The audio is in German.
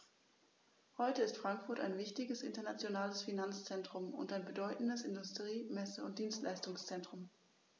Heute ist Frankfurt ein wichtiges, internationales Finanzzentrum und ein bedeutendes Industrie-, Messe- und Dienstleistungszentrum.